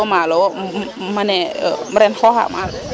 Maalo yo mbane ren xooxa maalo,